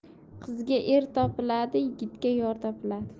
qizga er topiladi yigitga yor topiladi